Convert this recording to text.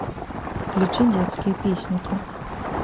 включи детские песенки